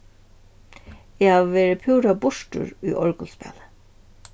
eg havi verið púra burtur í orgulspæli